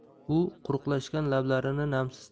u quruqlashgan lablarini namsiz